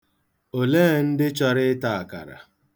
Olee ndị chọrọ ịta akara?